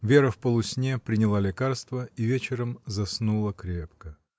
Вера в полусне приняла лекарство и вечером заснула крепко.